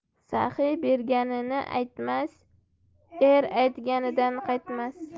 saxiy berganini aytmas er aytganidan qaytmas